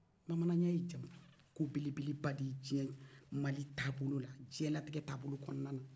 bamananya ye ko belebele de ye diɲɛ mali taabolo la